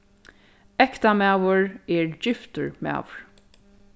ektamaður er giftur maður